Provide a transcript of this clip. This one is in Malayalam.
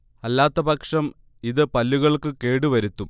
അല്ലാത്ത പക്ഷം ഇത് പല്ലുകൾക്കു കേടു വരുത്തും